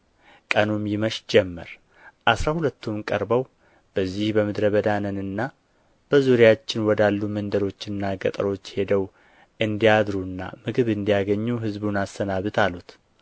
ቀኑም ይመሽ ጀመር አሥራ ሁለቱም ቀርበው በዚህ በምድረ በዳ ነንና በዙሪያችን ወዳሉ መንደሮችና ገጠሮች ሄደው እንዲያድሩና ምግብ እንዲያገኙ ሕዝቡን አሰናብት አሉት